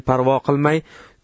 parvo qilmay